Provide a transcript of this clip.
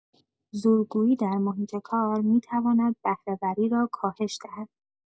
زورگویی در محیط کار می‌تواند بهره‌وری را کاهش دهد.